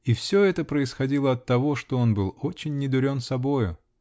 И все это происходило оттого, что он был очень недурен собою!